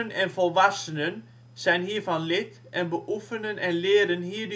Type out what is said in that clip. en volwassenen zijn hiervan lid en beoefenen en leren hier